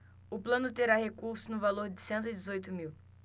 o plano terá recursos no valor de cento e dezoito mil